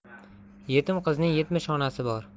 yetim qizning yetmish onasi bor